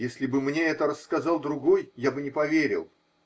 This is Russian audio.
если бы мне это рассказал другой, я бы не поверил.